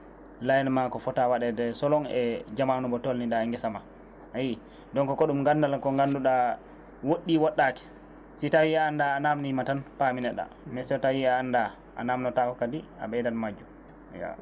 layanma ko foota waɗede selon e jamanu mo tolni ɗa e geesa ma ayi donc ko ɗum gandal ko gannduɗa woɗɗi woɗɗaki si tawi a annda a namdima tan pamneɗa mais so awi a annda a namdotako kadi aɗa ɓeydat majju yee